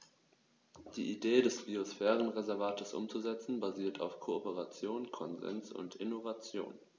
Die Idee des Biosphärenreservates umzusetzen, basiert auf Kooperation, Konsens und Innovation.